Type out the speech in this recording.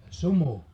sumu